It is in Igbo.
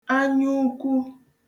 anyaukwu